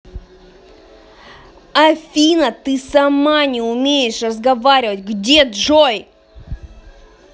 афина ты сама не умеешь разговаривать где джой